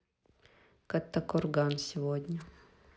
каттакурган сегодня